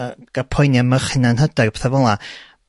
y ga- poeni am eich hunanhyder petha' fela